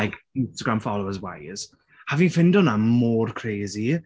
Like Instagram followers wise. A fi'n ffeindio hwnna mor crazy.